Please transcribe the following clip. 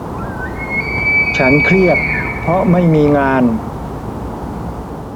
ฉันเครียดเพราะไม่มีงาน